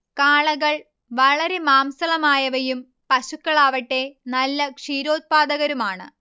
കാളകൾ വളരെ മാംസളമായവയും പശുക്കളാവട്ടെ നല്ല ക്ഷീരോത്പാദകരുമാണ്